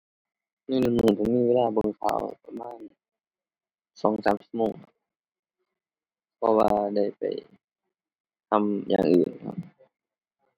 ในหนึ่งมื้อผมมีเวลาเบิ่งข่าวประมาณ สองสามชั่วโมง เพราะว่าได้ไปทำอย่างอื่นครับ